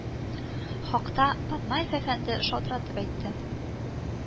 Хакта батмаев әфәнде шалтыратып әйтте